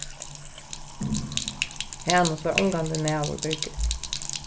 hanus var ongantíð maður birgit